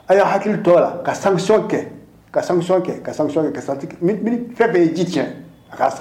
A y'a hakili tɔ la ka sanction kɛ. Ka sanction kɛ. Ka sanction kɛ ni fɛn fɛn ye ni tiɲɛn a k'a sara.